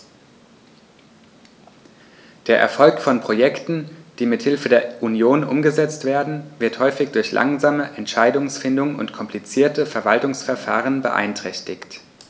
Der Erfolg von Projekten, die mit Hilfe der Union umgesetzt werden, wird häufig durch langsame Entscheidungsfindung und komplizierte Verwaltungsverfahren beeinträchtigt.